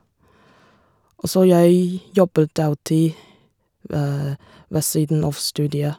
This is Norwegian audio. Og så jeg jobber deltid ved siden av studiet.